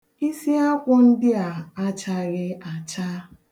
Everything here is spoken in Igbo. Isiakwụ ndi a achaghi acha.